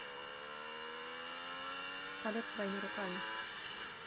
палет своими руками